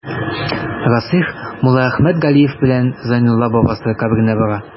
Расих Муллаәхмәт Галиев белән Зәйнулла бабасы каберенә бара.